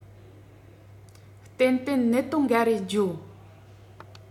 ཏན ཏན གནད དོན འགའ རེ བརྗོད